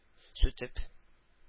Сүтеп